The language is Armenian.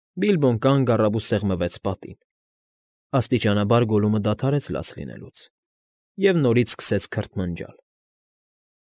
Բիլբոն կանգ առավ ու սեղմվեց պատին։ Աստիճանաբար Գոլլումը դադարեց լաց լինելուց և նորից սկսեց քրթմնջալ։